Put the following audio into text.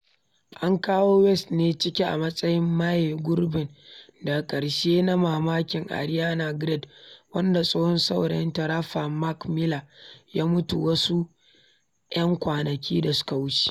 An kawo West ne ciki a matsayin maye gurbin daga ƙarshe na mawaki Ariana Grande, wanda tsohon saurayinta, rapper Mac Miller ya mutu wasu 'yan kwanaki da suka wuce.